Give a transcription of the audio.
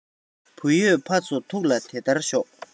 བུ ཡོད ཕ ཚོ ཐུགས ལ དེ ལྟར ཞོག